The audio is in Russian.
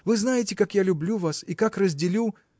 вы знаете, как я люблю вас и как разделю.